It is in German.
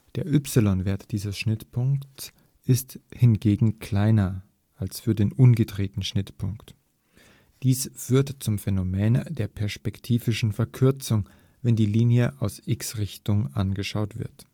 Der y-Wert dieses Schnittpunktes ist hingegen kleiner als für den ungedrehten Schnittpunkt. Dies führt zum Phänomen der perspektivischen Verkürzung, wenn die Linie aus x-Richtung angeschaut wird